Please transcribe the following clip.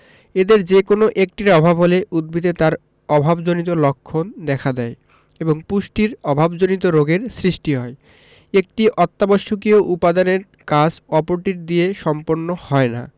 এদের যেকোনো একটির অভাব হলে উদ্ভিদে তার অভাবজনিত লক্ষণ দেখা দেয় এবং পুষ্টির অভাবজনিত রোগের সৃষ্টি হয় একটি অত্যাবশ্যকীয় উপাদানের কাজ অপরটি দিয়ে সম্পন্ন হয় না